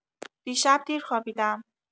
دیشب دیر خوابیدم.